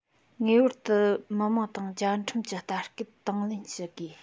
ངེས པར དུ མི དམངས དང བཅའ ཁྲིམས ཀྱི ལྟ སྐུལ དང ལེན ཞུ དགོས